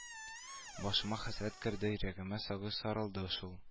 Башыма хәсрәт керде йөрәгемә сагыш сарылды шул